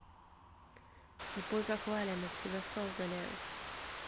тупой как валенок тебя создали